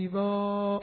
I